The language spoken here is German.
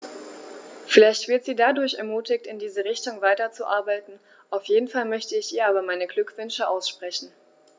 Vielleicht wird sie dadurch ermutigt, in diese Richtung weiterzuarbeiten, auf jeden Fall möchte ich ihr aber meine Glückwünsche aussprechen.